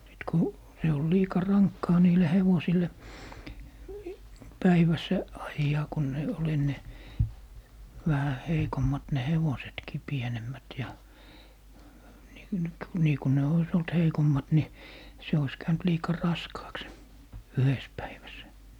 sitten kun se oli liika rankkaa niille hevosille päivässä ajaa kun ne oli ennen vähän heikommat ne hevosetkin pienemmät ja -- niin kun ne olisi ollut heikommat niin se olisi käynyt liika raskaaksi se yhdessä päivässä